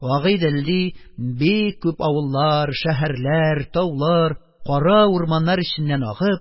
Агыйдел, ди, бик күп авыллар, шәһәрләр, таулар, кара урманнар эченнән агып,